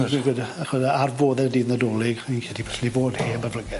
ar fore dydd Nadolig ni heb y plygen.